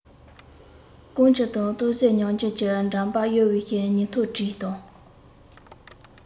ལྐོག འགྱུར དང རྟོག བཟོས ཉམས འགྱུར གྱི འདྲ འབག གཡོག པའི ཉིན ཐོ བྲིས དང